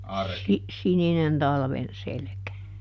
- sininen talven selkä